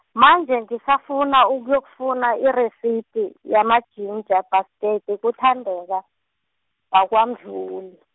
manje ngisafuna ukuyokufuna iresiphi, yamajinja bhasketi kuThandeka, wakwaMdluli.